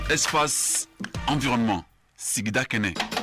Esfa anfima sigida kɛnɛ